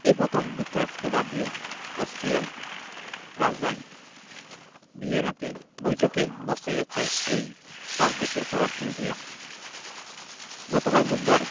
এই প্রথম যুক্তরাষ্ট্রকে বাদ দিয়ে অস্ট্রিয়ায় রাজধানী ভিয়েনাতে বৈঠকে বসতে যাচ্ছেন এই পাঁচ দেশের পররাষ্ট্রমন্ত্রীরা গতকাল বুধবার